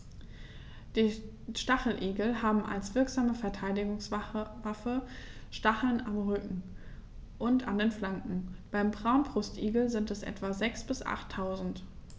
Die Stacheligel haben als wirksame Verteidigungswaffe Stacheln am Rücken und an den Flanken (beim Braunbrustigel sind es etwa sechs- bis achttausend).